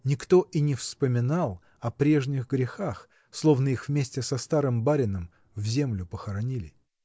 никто и не вспоминал о прежних грехах, словно их вместе с старым барином в землю похоронили.